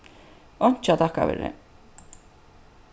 einki at takka fyri